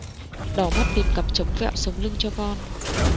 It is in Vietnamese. đỏ mắt tìm cặp chống vẹo sống lưng cho con